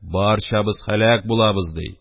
Барчабыз һәлак булабыз, — ди.